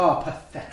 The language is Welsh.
O, pythetig!